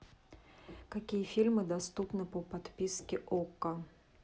какие фильмы доступны по подписке окко